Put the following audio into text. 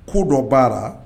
Ko dɔ b'a la